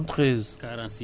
413